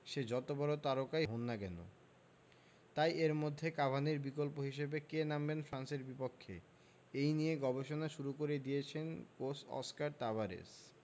সে যত বড় তারকাই হোন না কেন তাই এর মধ্যেই কাভানির বিকল্প হিসেবে কে নামবেন ফ্রান্সের বিপক্ষে এই নিয়ে গবেষণা শুরু করে দিয়েছেন কোচ অস্কার তাবারেজ